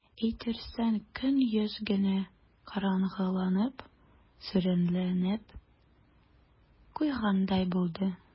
Әйтерсең, көн әз генә караңгыланып, сүрәнләнеп куйгандай булды.